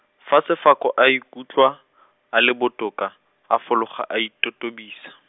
fa Sefako a ikutlwa , a le botoka, a fologa a itotobisa.